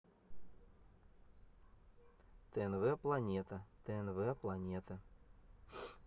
тнв планета тнв планета